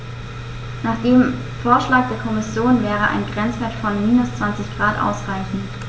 Nach dem Vorschlag der Kommission wäre ein Grenzwert von -20 ºC ausreichend.